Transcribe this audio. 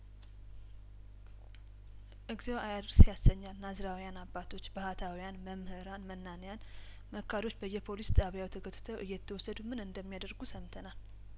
እግዚኦ አያድር ስያሰኛል ናዝራውያን አባቶች ባህታውያን መምህራን መናንያን መካሮች በየፖሊስ ጣቢያው ተጐትተው እየተወሰዱምን እንደሚያደርጉ ሰምተናል